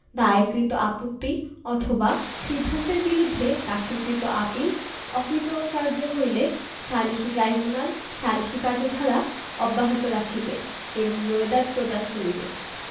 দায়েরকৃত আপত্তি অথবা সিদ্ধান্তের বিরুদ্ধে দাখিলকৃত আপীল অকৃতভার্য হইলে সালিসী ট্রাইব্যুনাল সালিসী কার্যধারা অব্যাহত রাখিবে এবং রোয়েদাদ প্রদান করিবে